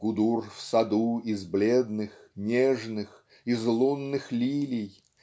Гудур в саду из бледных, нежных, Из лунных лилий.